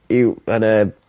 yw yn y